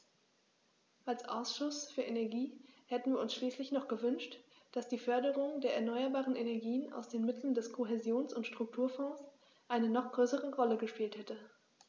Als Ausschuss für Energie hätten wir uns schließlich noch gewünscht, dass die Förderung der erneuerbaren Energien aus den Mitteln des Kohäsions- und Strukturfonds eine noch größere Rolle gespielt hätte.